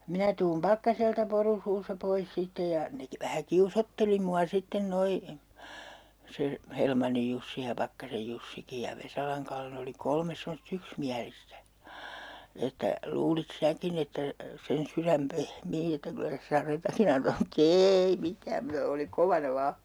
minä tulen Pakkaselta poru suussa pois sitten ja ne - vähän kiusoitteli minua sitten nuo se Helmannin Jussi ja Pakkasen Jussikin ja Vesalan Kalle ne oli kolme semmoista yksimielistä että luulit sinäkin että sen sydän pehmiää että kyllä se sadetakin antaa mutta ei mitään mutta oli kovana vain